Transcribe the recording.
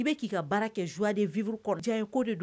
I b bɛ k'i ka baara kɛ zuden furu kɔrɔjan in ko de don